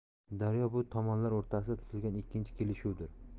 daryo bu tomonlar o'rtasida tuzilgan ikkinchi kelishuvdir